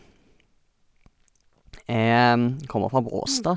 Jeg kommer fra Bråstad.